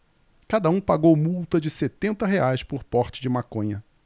cada um pagou multa de setenta reais por porte de maconha